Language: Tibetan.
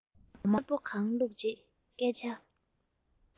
འོ མ དཀར པོ གང བླུགས རྗེས སྐད ཆ